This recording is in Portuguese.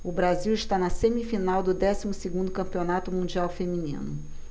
o brasil está na semifinal do décimo segundo campeonato mundial feminino